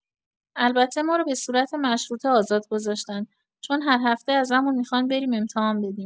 البته ما رو به صورت مشروطه آزاد گذاشتن، چون هر هفته ازمون میخوان بریم امتحان بدیم.